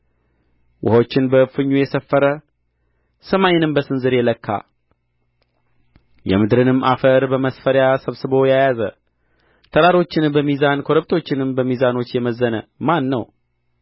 ውኆችን በእፍኙ የሰፈረ ሰማይንም በስንዝር የለካ የምድርንም አፈር በመስፈሪያ ሰብስቦ የያዘ ተራሮችን በሚዛን ኮረብቶችንም በሚዛኖች የመዘነ ማን ነው